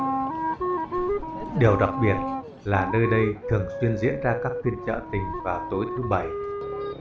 điều đặc biệt là nơi đây thường xuyên diễn ra các phiên chợ tình vào tối thứ